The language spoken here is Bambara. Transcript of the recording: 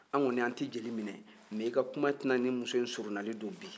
an kɔni an tɛ jeli minɛ mɛ i ka kuma tɛ nin muso in surunalidon don bi